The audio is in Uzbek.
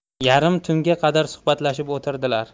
yarim tunga qadar suhbatlashib o'tirdilar